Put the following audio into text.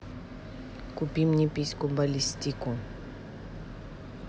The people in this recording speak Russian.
купи мне письку баллистику